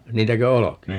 niitäkö olkia